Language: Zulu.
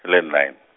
landline.